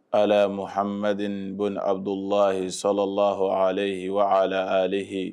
Ala mahaden bɔn nibudullahiyi salalah ale wa aleh